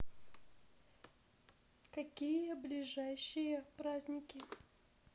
какие ближайшие праздники